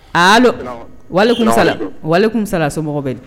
A wali kun sala wali kun sa a so mɔgɔ bɛ